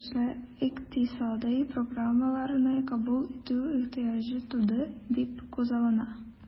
Тиешле икътисадый программаларны кабул итү ихтыяҗы туды дип күзаллана.